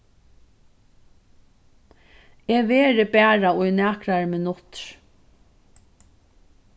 eg verði bara í nakrar minuttir